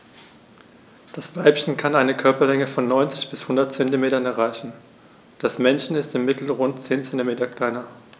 Das Weibchen kann eine Körperlänge von 90-100 cm erreichen; das Männchen ist im Mittel rund 10 cm kleiner.